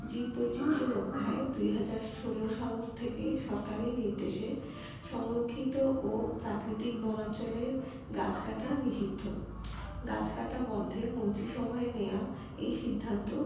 জীববৈচিত্র্য রক্ষায় ২০১৬ সাল থেকে সরকারি নির্দেশে সংরক্ষিত ও প্রাকৃতিক বনাঞ্চলের গাছ কাটা নিষিদ্ধ গাছ কাটা বন্ধে মন্ত্রিসভায় নেয়া এই সিদ্ধান্ত